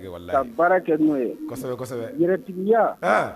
Ee, wallahi ka baara kɛ n'o ye , kosɛbɛn, kosɛbɛn, yɛrɛigiya,, anhɔn.